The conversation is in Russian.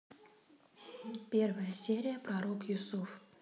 первая серия пророк юсуф